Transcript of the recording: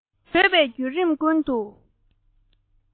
བྲོས པའི བརྒྱུད རིམ ཀུན ཏུ